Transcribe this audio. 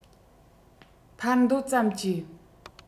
འཕར འདོད ཙམ གྱིས